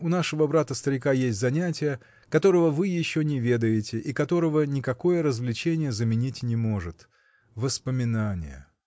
у нашего брата, старика, есть занятие, которого вы еще не ведаете и которого никакое развлечение заменить не может: воспоминания.